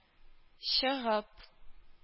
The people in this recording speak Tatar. Чыгып